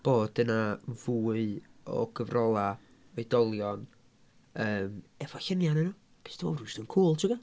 Bod yna fwy o gyfrolau oedolion yym efo lluniau ynddyn nhw. Dwi jyst yn meddwl bod o jyst yn cŵl tibod?